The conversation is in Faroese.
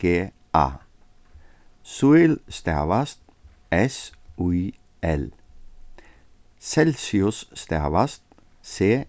g a síl stavast s í l celsius stavast c